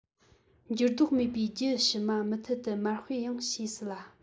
འགྱུར ལྡོག མེད པའི རྒྱུད ཕྱི མ མུ མཐུད དུ མར སྤེལ ཡང སྲིད ལ